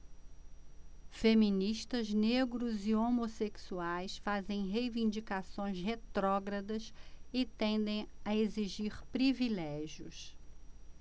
feministas negros e homossexuais fazem reivindicações retrógradas e tendem a exigir privilégios